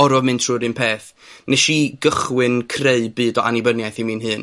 or'o' mynd trwy'r un peth. Nesh i gychwyn creu byd o annibyniaeth i mi'n hun.